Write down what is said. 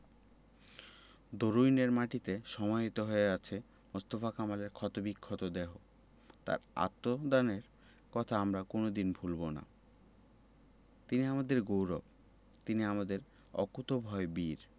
দরুইনের মাটিতে সমাহিত হয়ে আছে মোস্তফা কামালের ক্ষতবিক্ষত দেহ তাঁর আত্মদানের কথা আমরা কোনো দিন ভুলব না তিনি আমাদের গৌরব তিনি আমাদের অকুতোভয় বীর